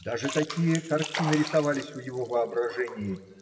Даже такие картины рисовались в его воображении